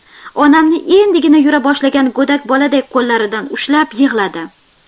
onamni endigina yura boshlagan go'dak boladay qo'llaridan ushlab yig'ladi